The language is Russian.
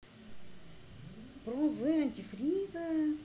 pro z антифриза